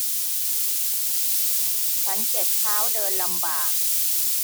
ฉันเจ็บเท้าเดินลำบาก